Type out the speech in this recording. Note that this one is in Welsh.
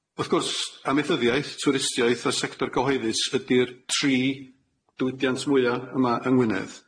Wrth gwrs amaethyddiaeth, twristiaeth a sector cyhoeddus ydi'r tri diwydiant mwya yma yng Ngwynedd.